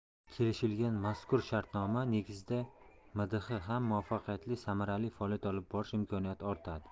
kelishilgan mazkur shartnoma negizida mdh ham muvaffaqiyatli samarali faoliyat olib borish imkoniyati ortadi